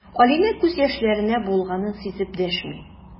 Алинә күз яшьләренә буылганын сизеп дәшми.